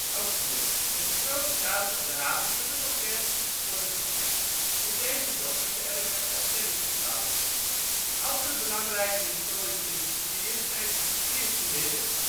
ook hier, en de grote kranen van de haven kunnen van ver worden gezien. In deze dok werd de RMS_Titanic gebouwd. Andere belangrijke historische industrieën zijn het Ierse linnen